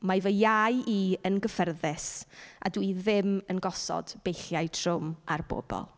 Mae fy iau i yn gyfforddus, a dwi ddim yn gosod beichiau trwm ar bobl.